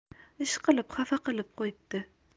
ishqilib xafa qilib qo'yibdi